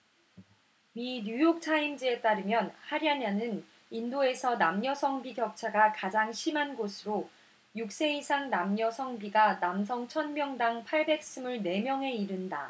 미 뉴욕타임스에 따르면 하랴냐는 인도에서 남녀 성비 격차가 가장 심한 곳으로 육 세 이상 남녀 성비가 남성 천 명당 팔백 스물 네 명에 이른다